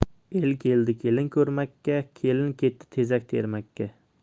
el keldi kelin ko'rmakka kelin ketdi tezak termakka